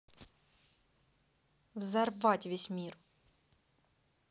взорвать весь мир